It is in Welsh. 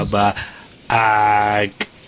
yma, ag,